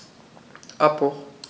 Abbruch.